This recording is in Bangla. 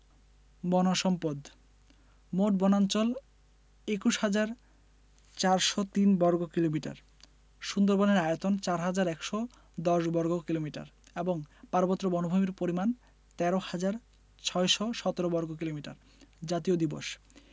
বন সম্পদঃ মোট বনাঞ্চল ২১হাজার ৪০৩ বর্গ কিলোমিটার সুন্দরবনের আয়তন ৪হাজার ১১০ বর্গ কিলোমিটার এবং পার্বত্য বনভূমির পরিমাণ ১৩হাজার ৬১৭ বর্গ কিলোমিটার জাতীয় দিবসঃ